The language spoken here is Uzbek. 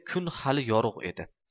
kun hali yorug' edi